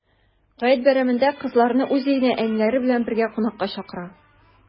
Гает бәйрәмендә кызларны уз өенә әниләре белән бергә кунакка чакыра.